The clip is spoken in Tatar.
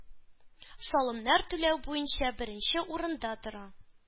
Салымнар түләү буенча беренче урында тора.